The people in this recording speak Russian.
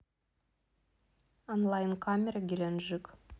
онлайн камеры геленджик